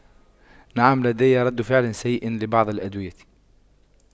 نعم لدي رد فعل سيء لبعض الأدوية